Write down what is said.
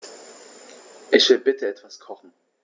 Ich will bitte etwas kochen.